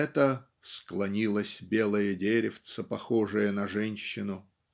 это "склонилось белое деревцо похожее на женщину".